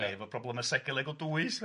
neu efo problemau seicolegol dwys